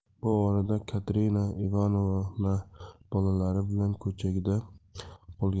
bu orada katerina ivanovna bolalari bilan ko'chada qolgan